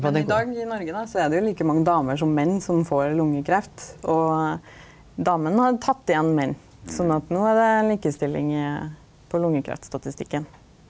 men i dag i Noreg då så er det jo like mange damer som menn som får lungekreft og damene har tatt igjen menn sånn at no er det likestilling i på lungekreftstatistikken.